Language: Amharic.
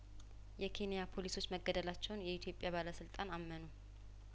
የኬንያፖሊሶች መገደላቸውን የኢትዮጵያ ባለስልጣን አመኑ